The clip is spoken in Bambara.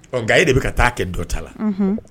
Nka e de bɛ ka taa a kɛ dɔ ta la